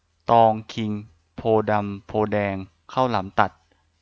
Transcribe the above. ตองคิงโพธิ์ดำโพธิ์แดงข้าวหลามตัด